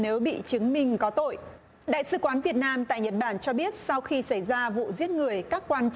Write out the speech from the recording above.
nếu bị chứng minh có tội đại sứ quán việt nam tại nhật bản cho biết sau khi xảy ra vụ giết người các quan